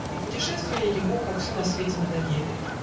И путешествия ему, Как все на свете, надоели